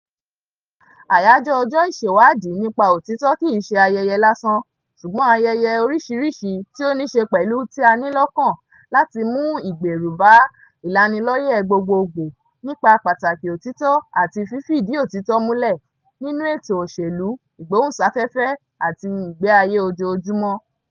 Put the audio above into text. Àyájọ́ Ọjọ́-Ìṣèwádìí nípa Òtítọ́ kì í ṣe ayẹyẹ lásán, ṣùgbọ́n ayẹyẹ oríṣìíríṣìí tí ó níṣe pẹ̀lú tí a ní lọ́kàn láti mú ìgbèrú bá ìlanilọ́yẹ̀ gbogbogbò nípa pàtàkì òtítọ́ -- àti fífìdí-òtítọ́-múlẹ̀--- nínúètò òṣèlú, ìgbóhùnsáfẹ́fẹ́, àti ìgbé ayé ojoojúmọ́.